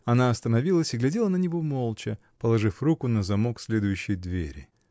Она остановилась и глядела на него молча, положив руку на замок следующей двери.